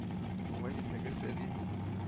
— алай дисәгез дә бит